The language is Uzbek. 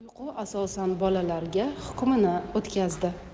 uyqu asosan bolalarga hukmini o'tkazdi